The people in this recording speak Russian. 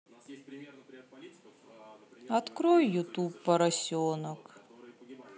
открой ютуб поросенок